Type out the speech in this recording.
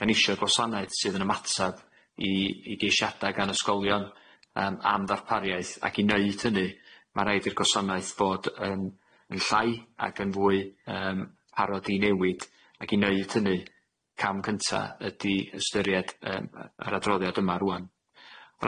'Da ni 'sio gwasanaeth sydd yn ymatab i i geishada gan ysgolion yym am ddarpariaeth ag i neud hynny ma' raid i'r gwasanaeth fod yn yn llai ac yn fwy yym parod i newid ag i neud hynny cam cynta ydi ystyried yym yy yr adroddiad yma rŵan.